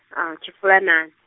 Tshifulanani.